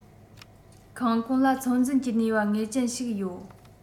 ཁང གོང ལ ཚོད འཛིན གྱི ནུས པ ངེས ཅན ཞིག ཡོད